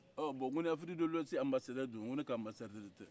ɔ bɔn nko ni afiriki de luwɛsi ka amasadɛri do ne ka amasadɛri tɛ